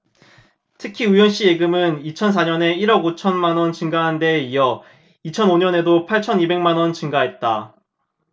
특히 우현씨 예금은 이천 사 년에 일 억 오천 만원 증가한데 이어 이천 오 년에도 팔천 이백 만원이 증가했다